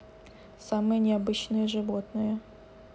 самые необычные животные